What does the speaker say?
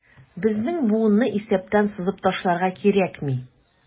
Безнең буынны исәптән сызып ташларга кирәкми.